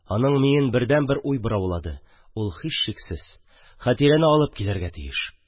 Аның миен бердәнбер уй бораулады – ул һичшиксез Хәтирәне алып килергә тиеш!